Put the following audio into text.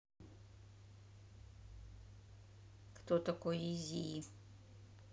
кто такой изи и